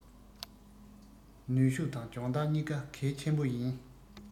ནུས ཤུག དང སྦྱོང ལྟར གཉིས ཀ གལ ཆེན པོ ཡིན